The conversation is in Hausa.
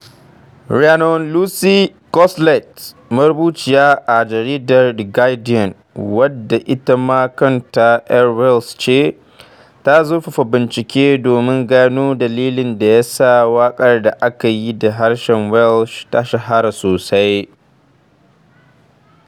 Rhiannon Lucy Cosslett, marubuciya a jaridar The Guardian wadda ita ma kanta ƴar Wales ce, ta zurfafa bincike domin gano dalilin da ya sa waƙar da aka yi da harshen Welsh ta shahara sosai.